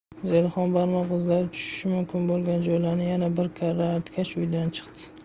zelixon barmoq izlari tushishi mumkin bo'lgan joylarni yana bir karra artgach uydan chiqdi